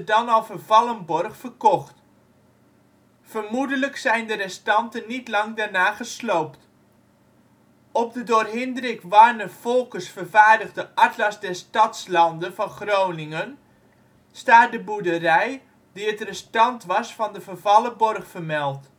al vervallen borg verkocht. Vermoedelijk zijn de restanten niet lang daarna gesloopt. Op de door Hindrik Warner Folckers vervaardigde Atlas der Stadslanden van Groningen (1724-1729) staat de boerderij die het restant was van de vervallen borg vermeld